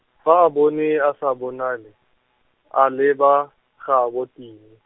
fa a bona a sa bonale, a leba, gaabo Tiny.